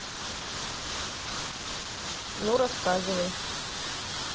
ну рассказывай